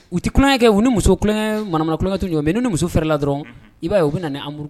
U tɛ kukɛ u ni musokɛ mara kukankɛtu ɲ mɛ ni muso fɛrɛ la dɔrɔn i b' ye u bɛ nauru